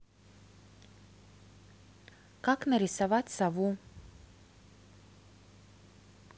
как нарисовать сову